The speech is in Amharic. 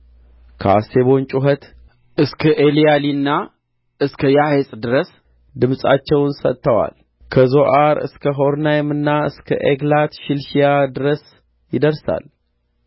ከሐሴቦን ጩኸት እስከ ኤልያሊና እስከ ያሀጽ ድረስ ድምፃቸውን ሰጥተዋል ከዞዓር እስከ ሖሮናይምና እስከ ዔግላት ሺሊሺያ ድረስ ይደርሳል